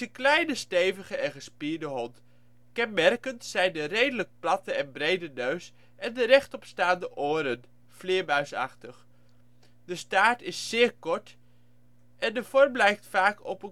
kleine stevige en gespierde hond. Kenmerkend zijn de redelijk platte en brede neus en de rechtop staande oren (vleermuisachtig). De staart is zeer kort en de vorm lijkt vaak op